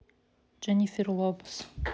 дженифер лопес